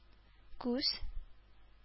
Күз